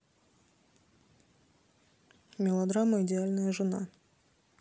мелодрама идеальная жена